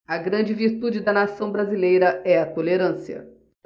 a grande virtude da nação brasileira é a tolerância